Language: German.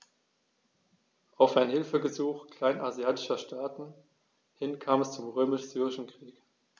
Auf ein Hilfegesuch kleinasiatischer Staaten hin kam es zum Römisch-Syrischen Krieg.